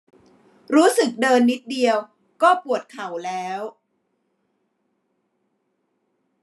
รู้สึกเดินนิดเดียวก็ปวดเข่าแล้ว